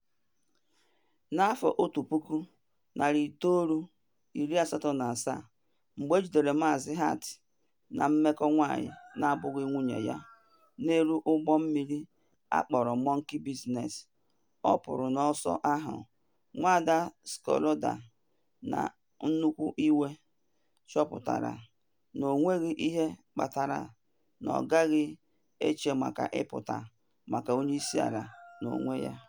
Na 1987, mgbe ejidere Maazị Hart na mmekọ nwanyị na abụghị nwunye ya n’elu ụgbọ mmiri akpọrọ Monkey Business, ọ pụrụ n’ọsọ ahụ, Nwada Schroeder, na nnukwu iwe, chọpụtara na enweghị ihe kpatara na ọ gaghị eche maka ịpụta maka onye isi ala n’onwe ya.